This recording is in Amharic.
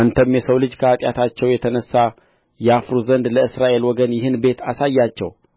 አንተም የሰው ልጅ ከኃጢአታቸው የተነሣ ያፍሩ ዘንድ ለእስራኤል ወገን ይህን ቤት አሳያቸው